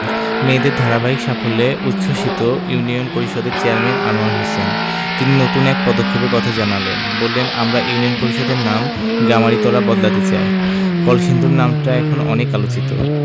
মেয়েদের ধারাবাহিক সাফল্যে উচ্ছ্বসিত ইউনিয়ন পরিষদের চেয়ারম্যান আনোয়ার হোসেন তিনি নতুন এক পদক্ষেপের কথা জানালেন বললেন আমরা ইউনিয়ন পরিষদের নাম গামারিতলা বদলাতে চাই কলসিন্দুর নামটা এখন অনেক আলোচিত